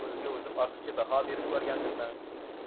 o'zimga o'zim ortiqcha baho berib yuborgandirman